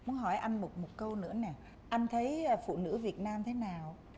muốn hỏi anh một một câu nữa nè anh thấy ờ phụ nữ việt nam thế nào